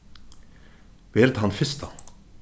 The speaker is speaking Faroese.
vel tann fyrsta